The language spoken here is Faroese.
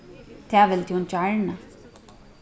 tað vildi hon gjarna